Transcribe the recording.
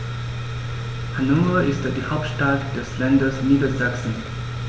Hannover ist die Hauptstadt des Landes Niedersachsen.